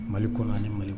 Mali kɔnɔna ni mali